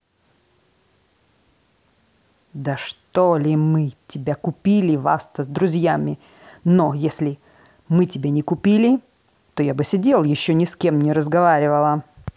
да что ли мы тебя купили вас то с друзьями то если мы тебя не купили то я бы сидел еще ни с кем не разговаривала